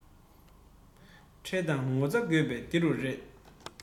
ཁྲེལ དང ངོ ཚ དགོས པ འདི རུ རེད